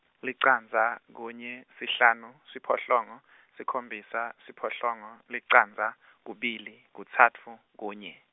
licandza, kunye, sihlanu, siphohlongo, sikhombisa, siphohlongo, licandza, kubili, kutsatfu, kunye.